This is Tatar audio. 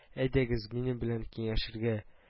Әйдәгез минем белән киңәшергә